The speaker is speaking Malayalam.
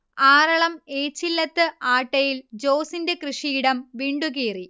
ആറളം ഏച്ചില്ലത്ത് ആട്ടയിൽ ജോസിന്റെ കൃഷിയിടം വിണ്ടുകീറി